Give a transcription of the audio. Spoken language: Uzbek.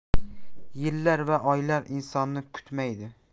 yillar va oylar insonni kutmaydi